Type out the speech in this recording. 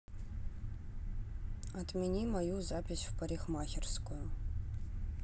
отмени мою запись в парикмахерскую